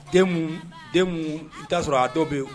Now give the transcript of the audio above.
Den denmuso' sɔrɔ a dɔ bɛ yen